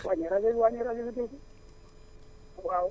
******** waaw